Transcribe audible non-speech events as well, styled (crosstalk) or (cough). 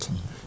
(hesitation) (hesitation)